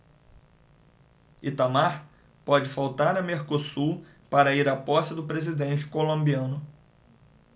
itamar pode faltar a mercosul para ir à posse do presidente colombiano